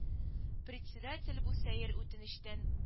Председатель бу сәер үтенечтән